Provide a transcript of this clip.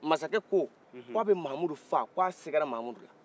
masakɛ ko k'a bɛ mamudu faa k'a sigara mamudu la